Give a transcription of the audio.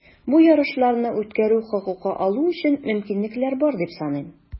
Бу ярышларны үткәрү хокукы алу өчен мөмкинлекләр бар, дип саныйм.